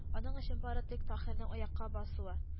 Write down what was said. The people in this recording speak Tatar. Аның өчен бары тик таһирның аякка басуы;